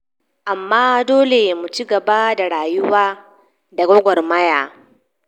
Amma dole mu cigaba da rayuwa da gwagwarmaya.”